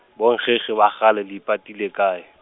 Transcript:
bonkgekge ba kgale le ipatile kae?